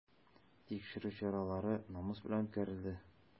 Тикшерү чаралары намус белән үткәрелде.